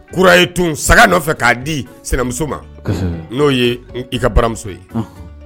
Kura ye tun, saga nɔfɛ k'a di sinamuso ma, kosɛbɛ, n'o ye i ka baramuso ye.